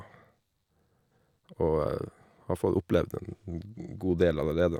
Og har fått opplevd en god del allerede.